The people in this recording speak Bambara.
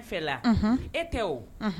E tɛ o